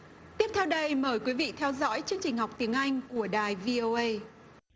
tiếp theo đây mời quý vị theo dõi chương trình học tiếng anh của đài vi ô ây